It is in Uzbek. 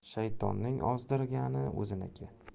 shaytonning ozdirgani o'ziniki